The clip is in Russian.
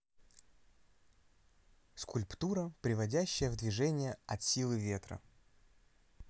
скульптура приводящая в движение от силы ветра